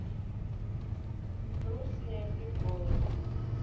грустные приколы